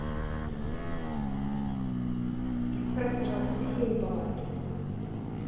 исправь пожалуйста все неполадки